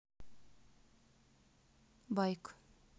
байк